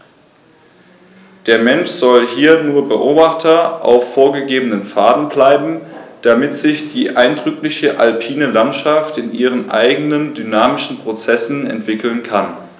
Der Mensch soll hier nur Beobachter auf vorgegebenen Pfaden bleiben, damit sich die eindrückliche alpine Landschaft in ihren eigenen dynamischen Prozessen entwickeln kann.